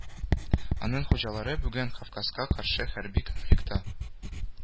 Аның хуҗалары бүген кавказга каршы хәрби конфликтка